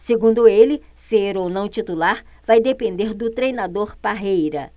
segundo ele ser ou não titular vai depender do treinador parreira